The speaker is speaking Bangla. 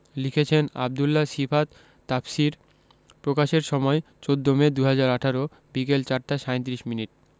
লিখেছেনঃ আব্দুল্লাহ সিফাত তাফসীর প্রকাশের সময় ১৪মে ২০১৮ বিকেল ৪ টা ৩৭ মিনিট